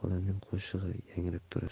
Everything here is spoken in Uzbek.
xolaning qo'shig'i yangrab turar